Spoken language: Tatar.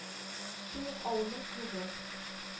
Шул ук авылның клубы.